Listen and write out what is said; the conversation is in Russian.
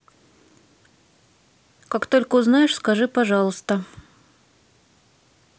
как только узнаешь скажи пожалуйста